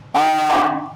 Ɛɛ